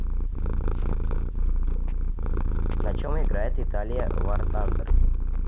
на чем играет италия вортандер